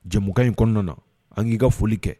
Jɛ in kɔnɔna na an k'i ka foli kɛ